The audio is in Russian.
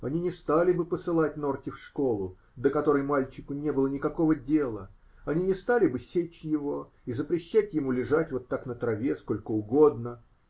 Они не стали бы посылать Норти в школу, до которой мальчику не было никакого дела, они не стали бы сечь его и запрещать ему лежать вот так на траве, сколько угодно.